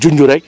junj rek